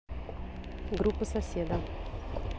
группа соседа